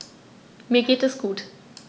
Mir geht es gut.